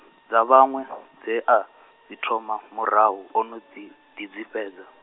dza vhaṅwe, dze a, dzi thoma murahu ono ḓi, ḓi dzi fhedza.